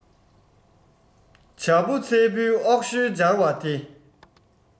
བྱ ཕོ མཚལ བུའི ཨོག ཞོལ སྦྱར བ དེ